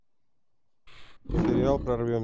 сериал прорвемся